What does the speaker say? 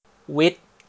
วิทย์